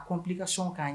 A ko n' ka sɔn k' ye